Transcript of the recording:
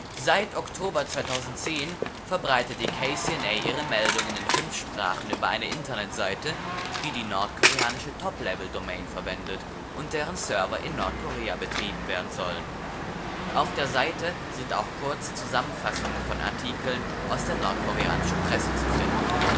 Seit Oktober 2010 verbreitet die KCNA ihre Meldungen in fünf Sprachen über eine Internetseite, die die nordkoreanische Top-Level-Domain verwendet und deren Server in Nordkorea betrieben werden sollen. Auf der Seite sind auch kurze Zusammenfassungen von Artikeln aus der nordkoreanischen Presse zu finden